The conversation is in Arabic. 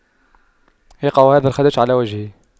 يقع هذا الخدش على وجهه